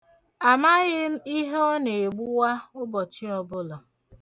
Amaghị m ihe ọ na-egbuwa ụbọchị ọbụla.